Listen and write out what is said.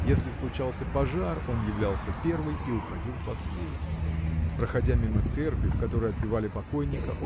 Если случался пожар, он являлся первый и уходил последний. Проходя мимо церкви в которой отпевали покойника